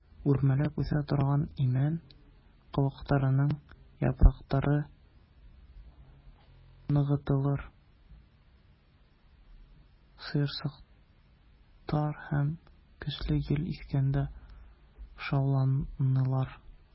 Үрмәләп үсә торган имән куаклыгының яфраклары ныгыдылар, җыерчыкландылар һәм көчле җил искәндә шауладылар.